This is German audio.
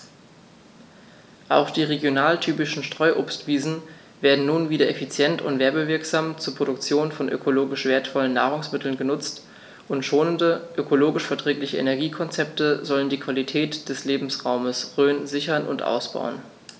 Auch die regionaltypischen Streuobstwiesen werden nun wieder effizient und werbewirksam zur Produktion von ökologisch wertvollen Nahrungsmitteln genutzt, und schonende, ökologisch verträgliche Energiekonzepte sollen die Qualität des Lebensraumes Rhön sichern und ausbauen.